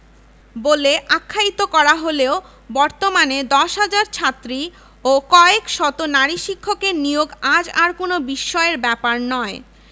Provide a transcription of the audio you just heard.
অধিভুক্ত কলেজসমূহ জাতীয় বিশ্ববিদ্যালয়ের অধীনে ন্যস্ত করা হয় তবে বর্তমানে ঢাকা বিশ্ববিদ্যালয়ের অধীনে ৭৪টি অঙ্গীভুত কন্সটিটিউয়েন্ট